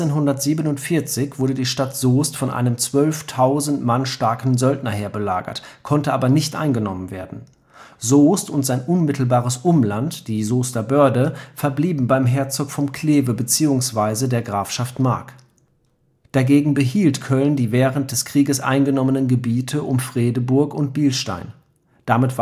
1447 wurde die Stadt Soest von einem 12.000 Mann starken Söldnerheer belagert, konnte aber nicht eingenommen werden. Soest und sein unmittelbares Umland, die Soester Börde, verblieben beim Herzog von Kleve beziehungsweise der Grafschaft Mark. Dagegen behielt Köln die während des Krieges eingenommenen Gebiete um Fredeburg und Bilstein. Damit